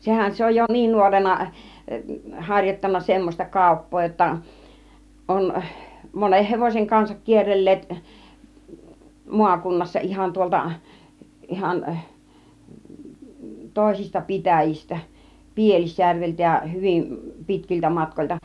sehän se on jo niin nuorena harjoittanut semmoista kauppaa jotta on monen hevosen kanssa kierrelleet maakunnassa ihan tuolta ihan toisista pitäjistä Pielisjärveltä ja hyvin pitkiltä matkoilta